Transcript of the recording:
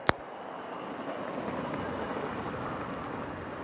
на крыльях